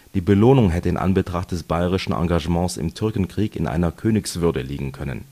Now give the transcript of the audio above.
Die Belohnung hätte in Anbetracht des bayerischen Engagements im Türkenkrieg in einer Königswürde liegen können